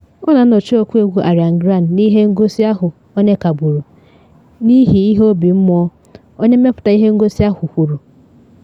Ọ na anọchi ọkụegwu Ariana Grande n’ihe ngosi ahụ onye kagburu “n’ihi ihe obi mmụọ,” onye mmepụta ihe ngosi ahụ kwuru.